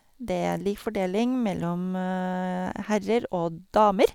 Det er lik fordeling mellom herrer og damer.